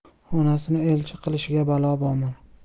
onasini elchi qilishga balo bormi